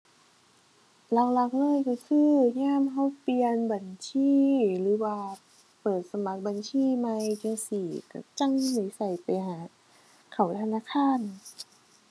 หลักหลักเลยก็คือยามก็เปลี่ยนบัญชีหรือว่าเปิดสมัครบัญชีใหม่จั่งซี้ ก็จั่งสิได้ไปหาเข้าธนาคาร